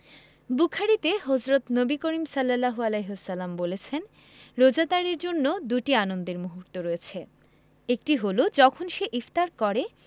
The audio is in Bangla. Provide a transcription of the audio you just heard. বুখারিতে হজরত নবী করিম সা বলেছেন রোজাদারের জন্য দুটি আনন্দের মুহূর্ত রয়েছে একটি হলো যখন সে ইফতার করে